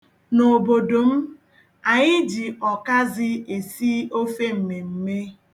Nne m kọrọ osisi ọkazị n'azụ ụlọ anyị.